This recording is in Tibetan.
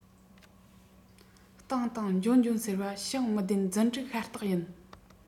བཏང བཏང འཇོན འཇོན ཟེར བ བྱིངས མི བདེན རྫུན སྒྲིག ཤ སྟག ཡིན